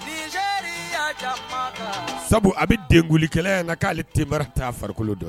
Sabu a bɛ denkunlikɛla yan ka k'ale te ta a farikolo dɔ